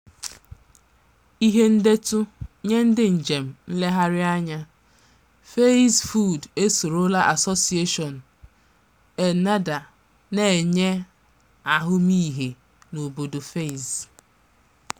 (Ihe ndetu nye ndị njem nlegharị anya: Fez Food esorola Association ENNAHDA na-enye ahụmịhe na obodo Fez.)